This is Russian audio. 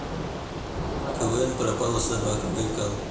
квн пропала собака байкал